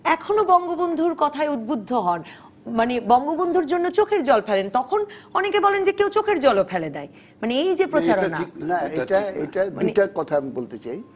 এখনো বঙ্গবন্ধুর কথা উদ্বুদ্ধ হন মানে বঙ্গবন্ধুর জন্য চোখের জল ফেলেন তখন অনেকে বলেন যে কেউ চোখের জল ফেলে দেয় মানে এই যে প্রচারণা না এটা ঠিক না এটা এটা দুটা কথা আমি বলতে চাই